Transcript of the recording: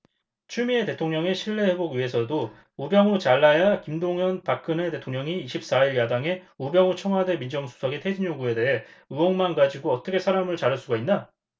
추미애 대통령에 신뢰 회복위해서도 우병우 잘라야김동현 박근혜 대통령이 이십 사 일 야당의 우병우 청와대 민정수석의 퇴진요구에 대해 의혹만 가지고 어떻게 사람을 자를 수가 있나